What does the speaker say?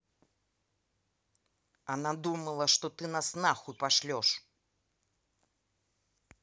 она думала что ты нас нахуй пошлешь